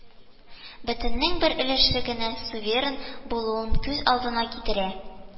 Бөтеннең бер өлеше генә суверен булуын күз алдына китерә